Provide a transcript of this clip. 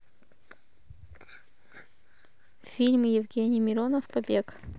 фильм евгений миронов побег